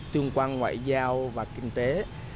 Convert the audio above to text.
tương quan ngoại giao và kinh tế